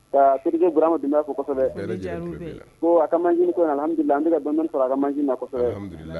Kikeura ma d ko ko a ka jiri yan an bɛ bamanan fara a ka manina kɔfɛ